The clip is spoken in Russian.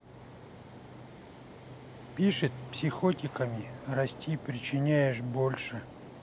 пишет психотикам расти причиняешь больше